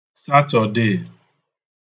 Satọ̀de